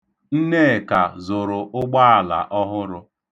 Nnekà zụrụ ụgbaala ọhụrụ.